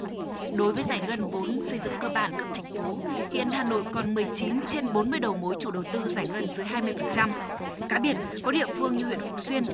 đối với giải ngân vốn xây dựng cơ bản cấp thành phố hiện hà nội còn mười chín trên bốn mươi đầu mối chủ đầu tư giải ngân dưới hai mươi phần trăm cá biệt có địa phương như huyện phú xuyên